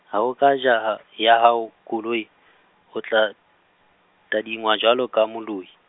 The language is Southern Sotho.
ha o ka jaha, ya hao, koloi, o tla, tadingwa jwalo ka moloi.